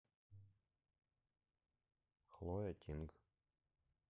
хлоя тинг